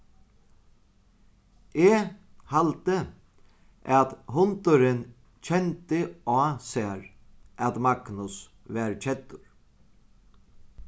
eg haldi at hundurin kendi á sær at magnus var keddur